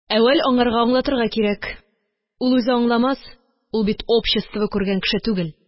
Әүвәл аңарга аңлатырга кирәк... Ул үзе аңламас, ул бит общество күргән кеше түгел.